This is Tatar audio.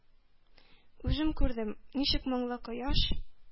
Үзем күрдем, ничек моңлы кояш,